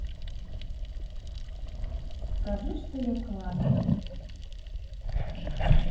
скажи что я классный